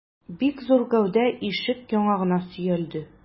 Бик зур гәүдә ишек яңагына сөялде.